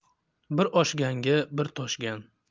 bir oshganga bir toshgan